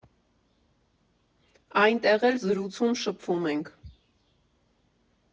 Այնտեղ էլ զրուցում, շփվում ենք։